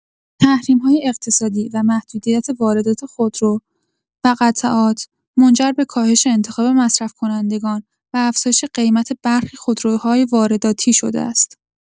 تحریم‌های اقتصادی و محدودیت واردات خودرو و قطعات منجر به کاهش انتخاب مصرف‌کنندگان و افزایش قیمت برخی خودروهای وارداتی شده است.